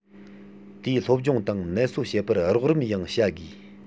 དེའི སློབ སྦྱོང དང ནད གསོ བྱེད པར རོགས རམ ཡང བྱ དགོས